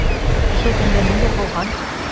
Кичә төнлә ниләр булган?